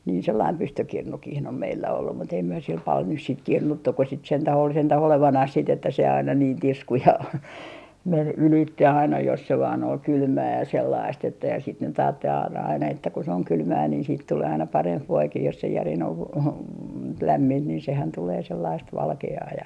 niin sellainen pystykirnukin on meillä ollut mutta ei me sillä paljon nyt sitten kirnuttu kun sitä sentään oli sentään olevinaan sitten että se aina niin tiskui ja meni ylitse aina jos se vain oli kylmää ja sellaista että ja sitä nyt ajatteli - aina että kun se on kylmää niin siitä tulee aina parempi voikin jos se järin on -- lämmintä niin sehän tulee sellaista valkeaa ja